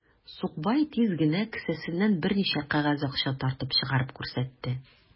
Сукбай тиз генә кесәсеннән берничә кәгазь акча тартып чыгарып күрсәтте.